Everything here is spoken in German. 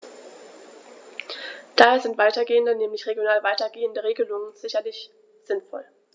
Daher sind weitergehende, nämlich regional weitergehende Regelungen sicherlich sinnvoll.